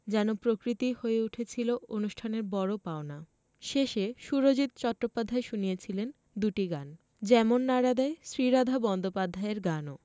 যেন প্রকৃতি হয়ে উঠেছিল অনুষ্ঠানের বড় পাওনা শেষে সুরজিত চট্টোপাধ্যায় শুনিয়েছেন দুটি গান যেমন নাড়া দেয় শ্রীরাধা বন্দ্যোপাধ্যায়ের গানও